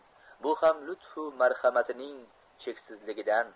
bu ham lutfu marhamatining cheksizligidan